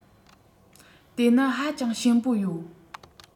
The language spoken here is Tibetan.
དེ ནི ཧ ཅང ཞན པོ ཡོད